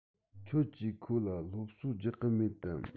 ཁྱོད ཀྱིས ཁོ ལ སློབ གསོ རྒྱག གི མེད དམ